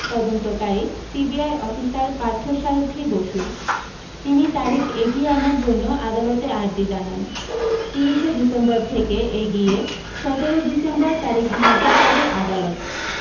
তদন্তকারী CBI officer Parthasarathi Basu তিনি তারিখ এগিয়ে আনার জন্য আদালতে আর্জি জানান তিরিশে ডিসেম্বর থেকে এগিয়ে সতেরো ডিসেম্বর তারিখ ধার্য করে আদালত